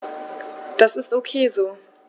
Das ist ok so.